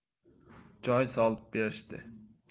joy solib berishdi